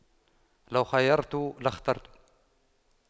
لو خُيِّرْتُ لاخترت